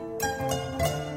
San